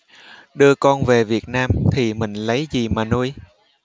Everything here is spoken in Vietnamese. đưa con về việt nam thì mình lấy gì mà nuôi